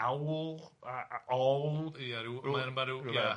Awl a- a- awl ia ryw ryw ryw ia.